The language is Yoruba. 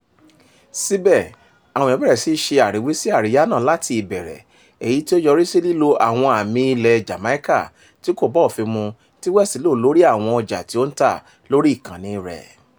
Síbẹ̀, àwọn èèyàn bẹ̀rẹ̀ sí ṣe àríwísí àríyá náà láti ìbẹ̀rẹ̀, èyí tí ó yọrí sí lílo àwọn àmì ilẹ̀ Jàmáíkà tí kò bá òfin mu tí West lò lórí àwọn ọjà tí ó ń tà lórí ìkànnì rẹ̀.